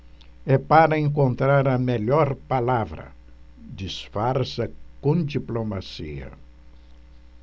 é para encontrar a melhor palavra disfarça com diplomacia